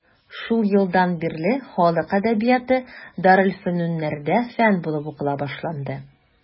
Шул елдан бирле халык әдәбияты дарелфөнүннәрдә фән булып укыла башланды.